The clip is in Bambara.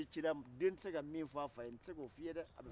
muso kolo fin ne don ni cɛ ta ye